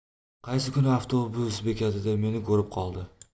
qaysi kuni avtobus bekatida meni ko'rib qoldi